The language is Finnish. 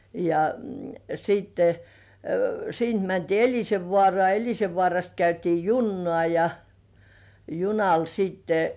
ja sitten siitä mentiin Elisenvaaraan Elisenvaarasta käytiin junaan ja junalla sitten